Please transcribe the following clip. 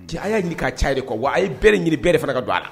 Cɛ a y'a ɲini ka ca de kɔ wa a ye bɛɛ ɲini bɛɛ de fana ka don a la